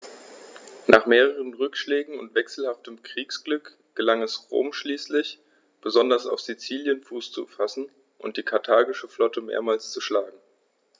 Nach mehreren Rückschlägen und wechselhaftem Kriegsglück gelang es Rom schließlich, besonders auf Sizilien Fuß zu fassen und die karthagische Flotte mehrmals zu schlagen.